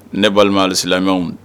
Ne balimaalisilaw